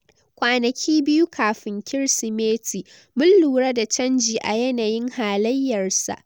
"Kwanaki biyu kafin Kirsimeti mun lura da canji a yanayin halayyar sa.